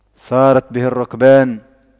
سارت به الرُّكْبانُ